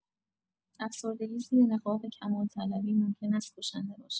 افسردگی زیر نقاب کمال‌طلبی ممکن است کشنده باشد.